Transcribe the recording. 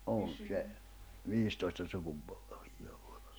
on se viisitoista sukupolvea ollut